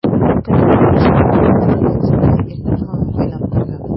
Ул көнне Мишкә район мәдәният сарае иртә таңнан кайнап торды.